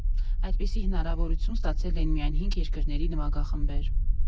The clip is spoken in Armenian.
Այդպիսի հնարավորություն ստացել էին միայն հինգ երկրների նվագախմբեր։